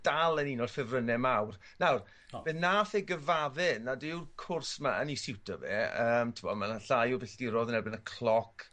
dal yn un o'r ffefrynne mawr. Nawr fe nath e gyfadde nad yw'r cwrs 'ma yn 'i siwto fe yym t'mod ma' 'na llai o filltirodd yn erbyn y cloc